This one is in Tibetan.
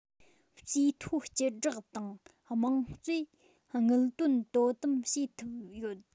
རྩིས ཐོ སྤྱི བསྒྲགས དང དམངས གཙོས དངུལ དོན དོ དམ བྱེད ཐུབ ཡོད